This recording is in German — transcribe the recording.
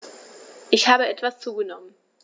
Ich habe etwas zugenommen